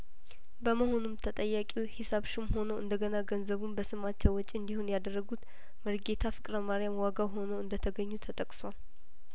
በመሆኑም ተጠያቂው ሂሳብ ሹም ሆነው እንደገና ገንዘቡን በስማቸው ወጪ እንዲሆን ያደረጉት መሪጌታ ፍቅረ ማርያም ዋጋው ሆነው እንደተገኙ ተጠቅሷል